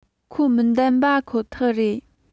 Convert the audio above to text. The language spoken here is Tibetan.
ཁོ མི བདམས པ ཁོ ཐག རེད